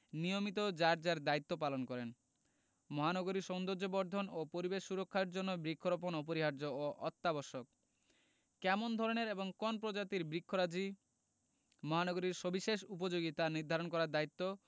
নিয়মিত যার যার দায়িত্ব পালন করেন মহানগরীর সৌন্দর্যবর্ধন ও পরিবেশ সুরক্ষার জন্য বৃক্ষরোপণ অপরিহার্য ও অত্যাবশ্যক কেমন ধরনের এবং কোন্ প্রজাতির বৃক্ষরাজি মহানগরীর সবিশেষ উপযোগী তা নির্ধারণ করার দায়িত্ব